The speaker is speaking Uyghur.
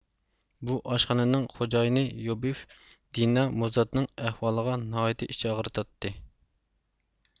بۇ ئاشخاننىڭ خوجايىنى يوبىف دىنا موزاتنىڭ ئەھۋالىغان ناھايىتى ئىچ ئاغرىتاتتى